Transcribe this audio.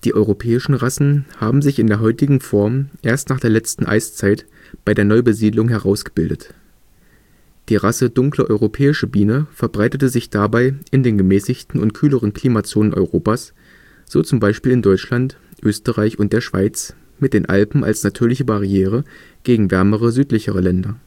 europäischen Rassen haben sich in der heutigen Form erst nach der letzten Eiszeit bei der Neubesiedlung herausgebildet. Die Rasse Dunkle Europäische Biene verbreitete sich dabei in den gemäßigten und kühleren Klimazonen Europas, so zum Beispiel in Deutschland, Österreich und der Schweiz mit den Alpen als natürliche Barriere gegen wärmere südlichere Länder